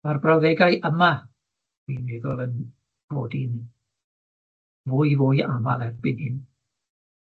Ma'r brawddegau yma dwi'n meddwl yn bod i'n fwy fwy amal erbyn hyn.